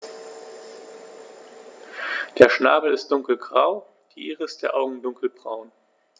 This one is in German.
Der Schnabel ist dunkelgrau, die Iris der Augen dunkelbraun.